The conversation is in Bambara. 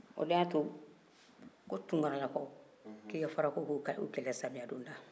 o de y' a to ko tunkaralakaw k' i ka fara k' u kɛlɛ samiyɛ donda